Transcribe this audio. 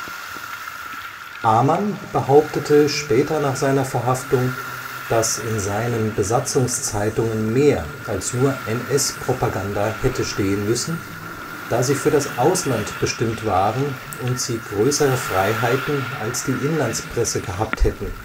Amann behauptete später nach seiner Verhaftung, dass in seinen Besatzungszeitungen mehr als nur NS-Propaganda hätte stehen müssen, da sie für das Ausland bestimmt waren, und sie größere Freiheiten als die Inlandspresse gehabt hätten